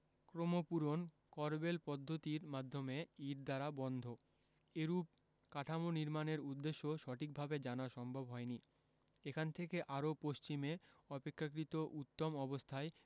ক্রমপূরণ corbel পদ্ধতির মাধ্যমে ইট দ্বারা বন্ধ এরূপ কাঠামো নির্মাণের উদ্দেশ্য সঠিকভাবে জানা সম্ভব হয় নি এখান থেকে আরও পশ্চিমে অপেক্ষাকৃত উত্তম অবস্থায়